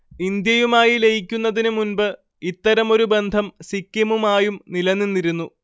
ഇന്ത്യയുമായി ലയിക്കുന്നതിനു മുൻപ് ഇത്തരമൊരു ബന്ധം സിക്കിമുമായും നിലനിന്നിരുന്നു